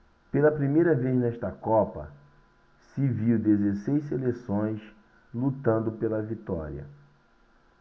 pela primeira vez nesta copa se viu dezesseis seleções lutando pela vitória